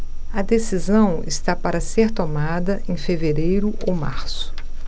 a decisão está para ser tomada em fevereiro ou março